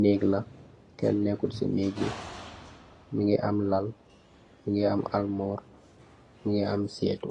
Naeke lah. Ken nekhut shi naeke bi. Munge am lhal. Munge am armorr, munge am saetu.